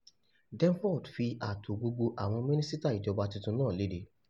Denford fi ààtò gbogbo àwọn mínísítà ìjọba tuntun náà léde.